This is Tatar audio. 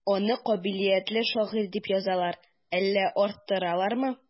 Аны кабилиятле шагыйрь дип язалар, әллә арттыралармы?